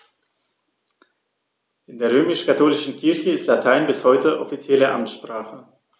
In der römisch-katholischen Kirche ist Latein bis heute offizielle Amtssprache.